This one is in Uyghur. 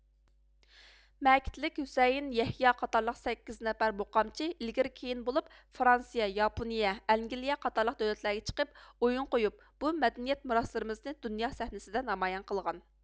مەكىتلىك ھۈسىيىن يەھيا قاتارلىق سەككىز نەپەر مۇقامچى ئىلگىرى كېيىن بولۇپ فرانسىيە ياپونىيە ئەنگلىيە قاتارلىق دۆلەتلەرگە چىقىپ ئويۇن قويۇپ بۇ مەدەنىيەت مىراسلىرىمىزنى دۇنيا سەھنىسىدە نامايان قىلغان